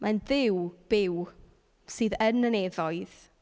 Mae'n Dduw byw sydd yn y nefoedd.